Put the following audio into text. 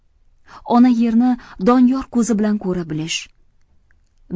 ona yerni doniyor ko'zi bilan ko'ra bilish